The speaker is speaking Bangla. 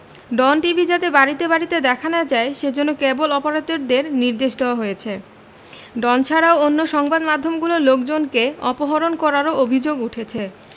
ডন টিভি যাতে বাড়িতে বাড়িতে দেখা না যায় সেজন্যে কেবল অপারেটরদের নির্দেশ দেওয়া হয়েছে ডন ছাড়াও অন্য সংবাদ মাধ্যমগুলোর লোকজনকে অপহরণ করারও অভিযোগ উঠেছে